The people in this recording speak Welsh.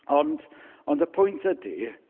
Ond, ond y pwynt ydi...